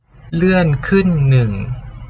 เลื่อนขึ้นหนึ่ง